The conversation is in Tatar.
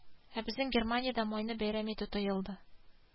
Ә безнең германиядә майны бәйрәм итү тыелды